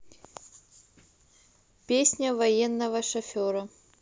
песня военного шофера